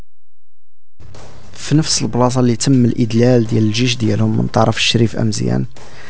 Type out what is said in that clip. في نفس البلاط اللي تم الادلال الجدير من طرف الشريف ام زين